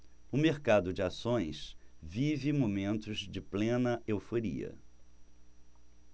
o mercado de ações vive momentos de plena euforia